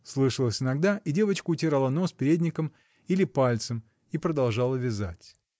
— слышалось иногда, и девочка утирала нос передником или пальцем и продолжала вязать.